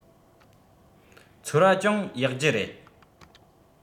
ཚོར བ ཅུང ཡག རྒྱུ རེད